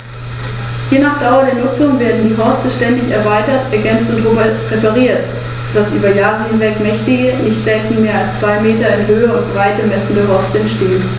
Der römische Feldherr Scipio setzte nach Afrika über und besiegte Hannibal bei Zama.